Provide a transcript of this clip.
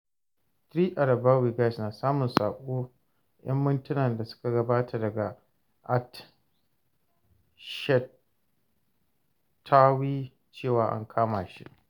3arabawyGuys, na samu saƙo 'yan mintuna da suka gabata daga @msheshtawy cewa an kama shi.